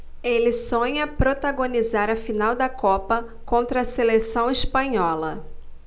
ele sonha protagonizar a final da copa contra a seleção espanhola